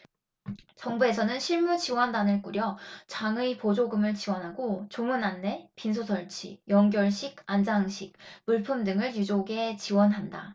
정부에서는 실무지원단을 꾸려 장의보조금을 지원하고 조문 안내 빈소설치 영결식 안장식 물품 등을 유족에 지원한다